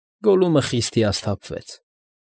Գոլլումը խիստ հիասթափվեց։